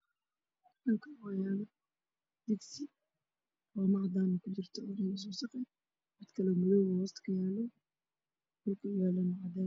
Waxaa iimuuqdo digsi karaayo oo ay cunto kujirto